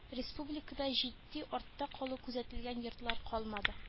Республикада җитди артта калу күзәтелгән йортлар калмады